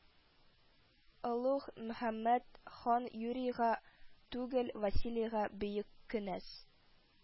Олуг Мөхәммәд хан Юрийга түгел, Василийга бөек кенәз